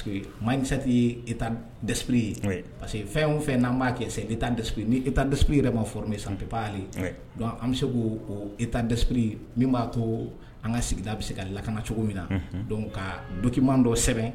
Seke maa sati ye e dapsiriri ye parce que fɛn fɛn n'an b'a kɛ sa e tan de ni e dap yɛrɛ ma sanppiale an bɛ se' e tan dapri min b'a to an ka sigi bɛ se ka lakana cogo min na ka dukiman dɔ sɛbɛn